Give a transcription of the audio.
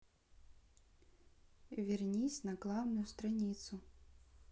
вернись на главную страницу